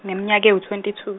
ngineminyaka ewutwenty two.